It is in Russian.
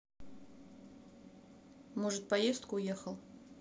может поездку уехал